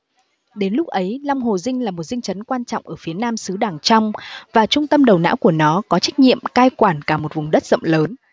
đến lúc ấy long hồ dinh là một dinh trấn quan trọng ở phía nam xứ đàng trong và trung tâm đầu não của nó có trách nhiệm cai quản cả một vùng đất rộng lớn